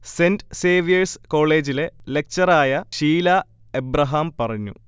saint Xavier's കോളേജിലെ lecture ആയ ഷീല എബ്രഹാം പറഞ്ഞു